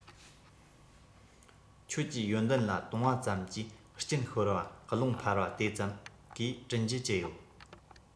ཁྱོད ཀྱི ཡོན ཏན ལ བཏུངས པ ཙམ གྱིས གཅིན ཤོར བ རླུང འཕར བ དེ ཙམ གས དྲིན རྒྱུ ཅི ཡོད